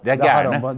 de er gærne.